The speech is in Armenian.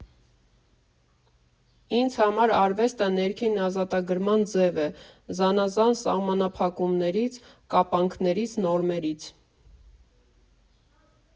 Ինձ համար արվեստը ներքին ազատագրման ձև է՝ զանազան սահմանափակումներից, կապանքներից, նորմերից։